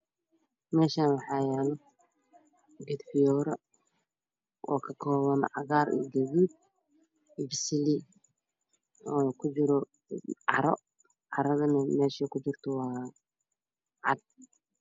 Meeshan waxa yaalo geed fiyoore oo ka kooban cagaar iyo gaduud iyo basali oo ku jiro caro caradun meesh ay ku jirto waa cada